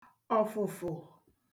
ọ̀fụ̀fụ̀